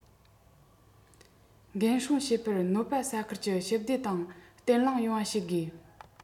འགན སྲུང བྱེད པར གནོད པ ས ཁུལ གྱི ཞི བདེ དང བརྟན ལྷིང ཡོང བ བྱེད དགོས